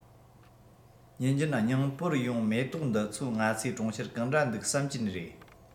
ཉིན རྒྱུན སྙིང པོར ཡོང མེ ཏོག འདི ཚོ ང ཚོས གྲོང ཁྱེར གང འདྲ འདུག བསམ གྱིན རེད